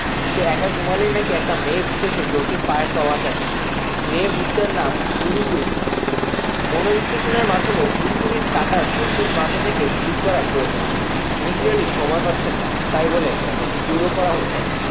সে একা ঘুমালেই নাকি একটা মেয়ে-ভূত এসে জসুর পায়ের তলা চাটে মেয়ে-ভূতটার নাম হুড়বুড়ি মনােবিশ্লেষণের মাধ্যমে হুড়বুড়ির কাঁটা জসুর মাথা থেকে দূর করা প্রয়ােজন মিসির আলি সময় পাচ্ছেন না তাই বলে দূর ও করা হচ্ছে না